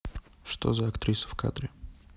что за актриса в кадре